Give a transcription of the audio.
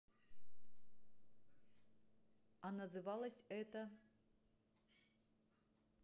а называлось это